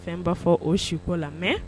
Fɛn b'a fɔ o siko la mɛ